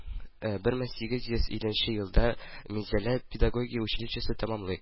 Бер мең сигез йөз илленче елда Минзәлә педагогия училищесын тәмамлый